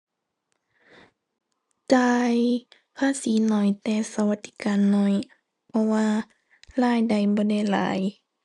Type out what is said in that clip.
จ่ายภาษีน้อย แต่สวัสดิการน้อย เพราะว่ารายได้บ่ได้หลาย